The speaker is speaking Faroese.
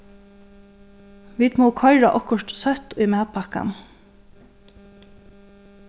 vit mugu koyra okkurt søtt í matpakkan